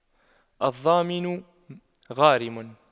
الضامن غارم